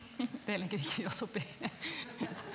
det legger ikke vi oss oppi .